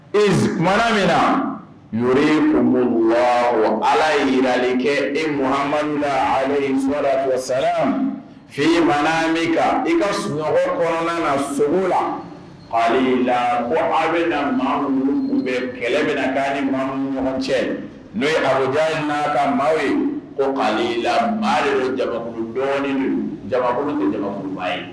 Eumana min na' kun la o ala yilen kɛ e m la aleugfɔ sara fini mana min kan i ka sunɔgɔ kɔnɔna na sogo la ali la a bɛ na ma mamudu tun bɛ kɛlɛ mina ka ni ŋ ɲɔgɔn cɛ n'o ye abuja ka maaw ye ko ali laban de ye jakuru dɔgɔninɔni jakulu jakuruba ye